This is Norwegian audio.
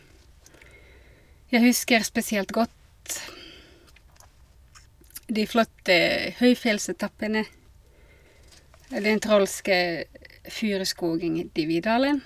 Jeg husker spesielt godt de flotte høyfjellsetappene eller den trolske furuskogen i Dividalen.